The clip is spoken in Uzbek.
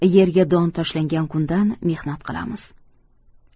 yerga don tashlangan kundan mehnat qilamiz